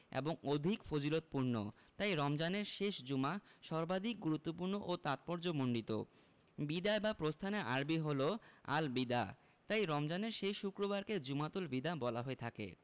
এবং অধিক ফজিলতপূর্ণ তাই রমজানের শেষ জুমা সর্বাধিক গুরুত্বপূর্ণ ও তাৎপর্যমণ্ডিত বিদায় বা প্রস্থানের আরবি হলো আল বিদা তাই রমজানের শেষ শুক্রবারকে জুমাতুল বিদা বলা হয়ে থাকে